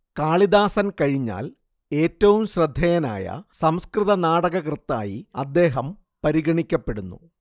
കാളിദാസൻ കഴിഞ്ഞാൽ ഏറ്റവും ശ്രദ്ധേയനായ സംസ്കൃതനാടകകൃത്തായി അദ്ദേഹം പരിഗണിക്കപ്പെടുന്നു